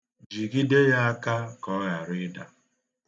Jigide ya aka ka ọ ghara ịda.